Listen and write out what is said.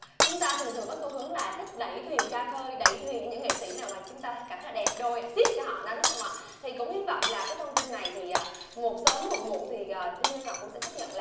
chúng ta thường thường có xu hướng là thứt đẩy thuyền ra khơi đẩy thuyền cho những nghệ sĩ nào mà chúng ta hãy cảm thấy đẹp đôi ạ síp cho họ đó đúng không ạ thì cũng hy vọng là cái thông tin này thì một sớm một muộn thì à ninh dương lan ngọc cũng sẽ xác nhận